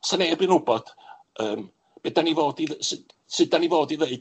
Sa neb yn wbod yym be' 'dan ni fod i dd- sut sud 'dan ni fod i ddeud